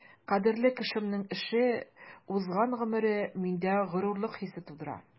Кадерле кешемнең эше, узган гомере миндә горурлык хисе тудыра.